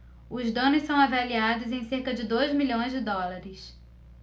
os danos são avaliados em cerca de dois milhões de dólares